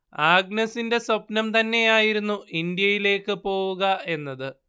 ആഗ്നസിന്റെ സ്വപ്നം തന്നെയായിരുന്നു ഇന്ത്യയിലേക്കു പോവുക എന്നത്